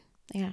Ja.